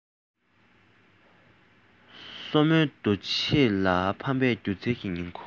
སོར མོའི འདུ བྱེད ལ ཕབ པའི སྒྱུ རྩལ གྱི ཉིང ཁུ